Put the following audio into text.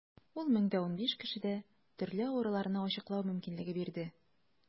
Ул 1015 кешедә төрле авыруларны ачыклау мөмкинлеге бирде.